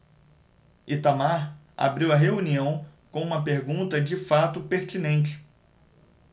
itamar abriu a reunião com uma pergunta de fato pertinente